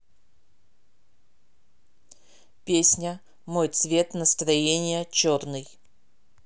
песня мой цвет настроения черный